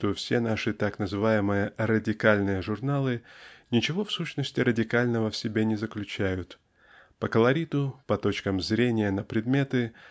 что все наши так называемые "радикальные" журналы ничего в сущности радикального в себе не заключают. По колориту по точкам зрения на предметы